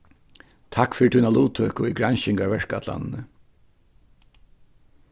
takk fyri tína luttøku í granskingarverkætlanini